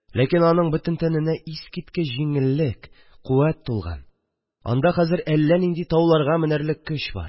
Ләкин аның бөтен тәненә искиткеч җиңеллек, куәт тулган, анда хәзер әллә нинди тауларга менәрлек көч бар